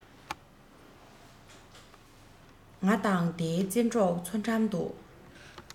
ང དང དའི རྩེ གྲོགས འཚོ གྲམ དུ